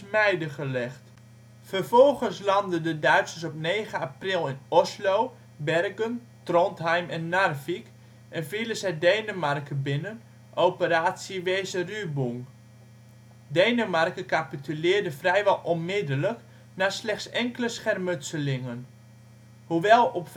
mijnen gelegd. Vervolgens landden de Duitsers op 9 april in Oslo, Bergen, Trondheim en Narvik, en vielen zij Denemarken binnen (Operatie Weserübung). Denemarken capituleerde vrijwel onmiddellijk na slechts enkele schermutselingen. Hoewel op